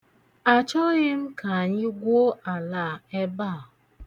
Achọghị ka anyị gwuo ala ebe a.